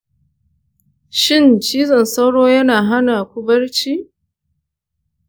shin cizon sauro yana hana ku barci?